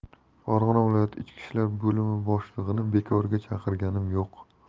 farg'ona viloyati ichki ishlar boimi boshlig'ini bekorga chaqirganim yo'q